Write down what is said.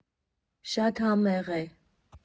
Շատ համեղ է։